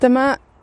Dyma,